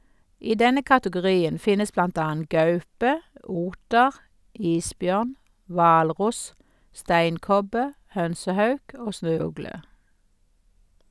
I denne kategorien finnes blant annet gaupe, oter, isbjørn, hvalross, steinkobbe, hønsehauk og snøugle.